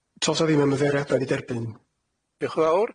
Tos 'na ddim ymddiheuriada 'di derbyn. Dioch yn fawr.